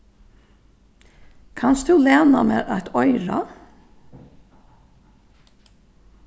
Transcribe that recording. kanst tú læna mær eitt oyra